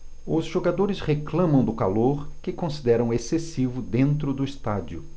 os jogadores reclamam do calor que consideram excessivo dentro do estádio